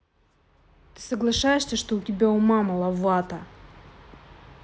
ты соглашаешься что у тебя ума маловата